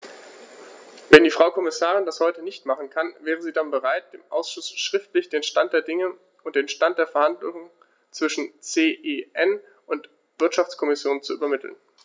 Wenn die Frau Kommissarin das heute nicht machen kann, wäre sie dann bereit, dem Ausschuss schriftlich den Stand der Dinge und den Stand der Verhandlungen zwischen CEN und Wirtschaftskommission zu übermitteln?